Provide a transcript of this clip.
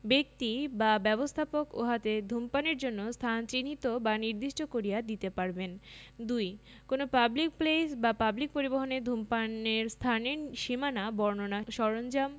ব্যক্তি বা ব্যবস্থাপক উহাতে ধূমপানের জন্য স্থান চিহ্নিত বা নির্দিষ্ট করিয়া দিতে পারিবেন ২ কোন পাবলিক প্লেস বা পাবলিক পরিবহণে ধূমপানের স্থানের সীমানা বর্ণনা সরঞ্জাম